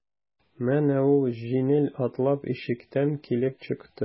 Менә ул җиңел атлап ишектән килеп чыкты.